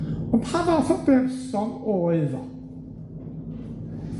On' pa fath o berson oedd o?